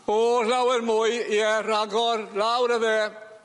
O llawer mwy ie ragor lawr â fe.